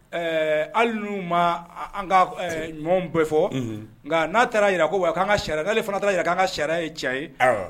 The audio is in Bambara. Ɛɛ hali n'u maa a an kaa k ɛɛ ɲumanw bɛ fɔ unhun nka n'a taara yira ko ouai k'an ŋa charia n'ale fana taara yira k'an ka charia ye tiɲɛ ye awɔ